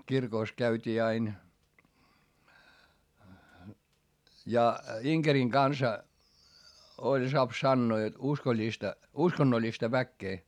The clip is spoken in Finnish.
kirkossa käytiin aina ja Inkerin kanssa oli saa sanoa jotta uskollista uskonnollista väkeä